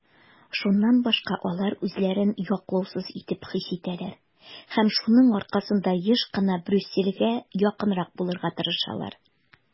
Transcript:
Шуннан башка алар үзләрен яклаусыз итеп хис итәләр һәм шуның аркасында еш кына Брюссельгә якынрак булырга тырышалар.